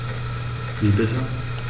Wie bitte?